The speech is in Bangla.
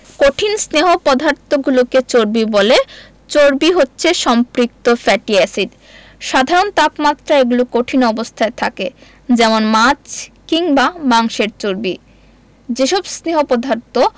কঠিন স্নেহ পদার্থগুলোকে চর্বি বলে চর্বি হচ্ছে সম্পৃক্ত ফ্যাটি এসিড সাধারণ তাপমাত্রায় এগুলো কঠিন অবস্থায় থাকে যেমন মাছ কিংবা মাংসের চর্বি যেসব স্নেহ পদার্থ